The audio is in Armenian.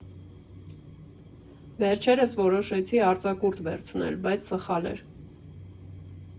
Վերջերս որոշեցի արձակուրդ վերցնել, բայց սխալ էր.